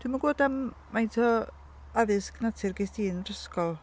Dwi'm yn gwybod am faint o addysg natur gest ti yn yr ysgol?